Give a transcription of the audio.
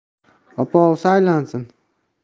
opovsi aylansin